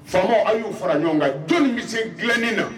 Faama a y'u fara ɲɔgɔn kan jɔn bɛ se dilannen na